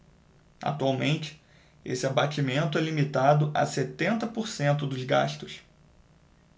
atualmente esse abatimento é limitado a setenta por cento dos gastos